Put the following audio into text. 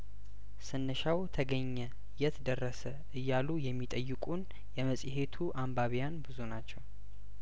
ስንሻው ተገኘ የት ደረሰ እያሉ የሚጠይቁን የመጽሄቱ አንባቢያን ብዙ ናቸው